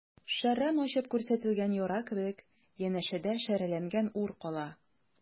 Шәрран ачып күрсәтелгән яра кебек, янәшәдә шәрәләнгән ур кала.